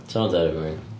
'Sa hwnna'n terrifying.